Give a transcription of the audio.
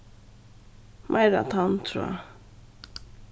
meira tanntráð